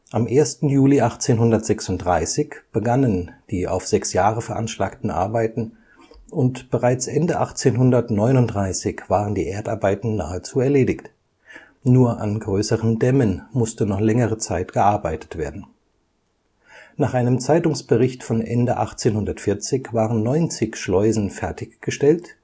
Am 1. Juli 1836 begannen die auf sechs Jahre veranschlagten Arbeiten und bereits Ende 1839 waren die Erdarbeiten nahezu erledigt, nur an größeren Dämmen musste noch längere Zeit gearbeitet werden. Nach einem Zeitungsbericht von Ende 1840 waren 90 Schleusen fertiggestellt